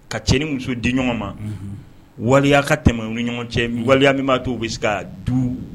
Ka cɛ ni muso di ɲɔgɔn ma waliya ka tɛmɛ ni ɲɔgɔn cɛ waliya min ba to u bi se ka du